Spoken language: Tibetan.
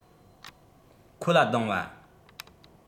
ཁོ ལ སྡང བ